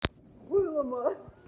ойлама